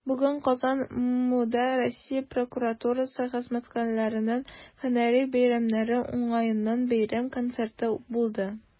Бүген "Казан" ММҮдә Россия прокуратурасы хезмәткәрләренең һөнәри бәйрәмнәре уңаеннан бәйрәм концерты булды.